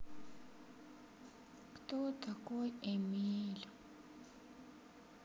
кто такой эмиль